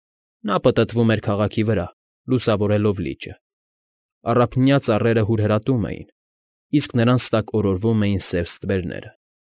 Նա պտտվում էր քաղաքի վրա՝ լուսավորելով լիճը. առափնյա ծառերը հուրհրատում էին, իսկ նրանց տակ օրորվում էին սև ստվերները։